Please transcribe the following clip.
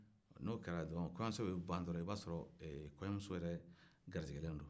n'o kɛra dɔrɔn kɔɲɔso bɛ ban dɔrɔn i b'a sɔrɔ kɔɲɔmuso yɛrɛ garisigɛlen don